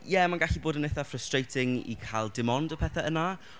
Ie mae'n gallu bod yn eitha frustrating i cael dim ond y pethau yna...